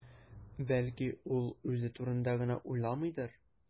Бәлки, ул үзе турында гына уйламыйдыр?